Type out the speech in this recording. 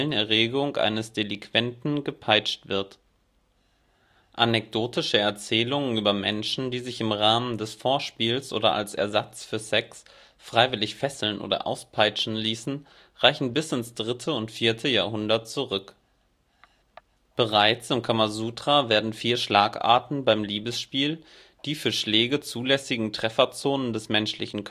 Erregung eines Delinquenten gepeitscht wird. Anekdotische Erzählungen über Menschen, die sich im Rahmen des Vorspiels oder als Ersatz für Sex freiwillig fesseln oder auspeitschen ließen, reichen bis ins 3. und 4. Jahrhundert zurück. Bereits im Kamasutra werden vier Schlagarten beim Liebesspiel, die für Schläge zulässigen Trefferzonen des menschlichen